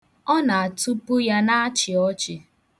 Ọ na-atụpu ya na achị ọchị.